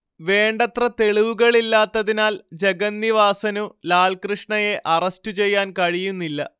വേണ്ടത്ര തെളിവുകളില്ലാത്തതിനാൽ ജഗന്നിവാസനു ലാൽകൃഷ്ണയെ അറസ്റ്റു ചെയ്യാൻ കഴിയുന്നില്ല